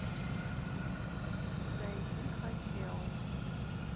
зайди хотел